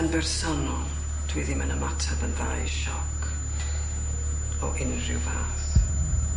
Yn bersonol, dwi ddim yn ymatab yn dda i sioc o unrhyw fath.